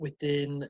yy wedyn